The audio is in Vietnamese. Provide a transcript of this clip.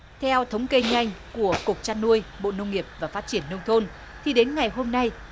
theo thống kê nhanh của cục chăn nuôi bộ nông nghiệp và phát triển nông thôn thì đến ngày hôm nay